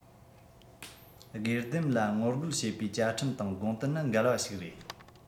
སྒེར སྡེམ ལ ངོ རྒོལ བྱེད པའི བཅའ ཁྲིམས དང དགོངས དོན ནི འགལ བ ཞིག རེད